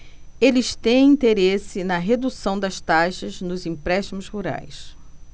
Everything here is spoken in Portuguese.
eles têm interesse na redução das taxas nos empréstimos rurais